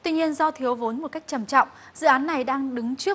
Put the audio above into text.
tuy nhiên do thiếu vốn một cách trầm trọng dự án này đang đứng trước